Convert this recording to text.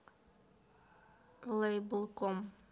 лейбл ком